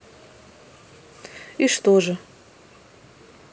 и что же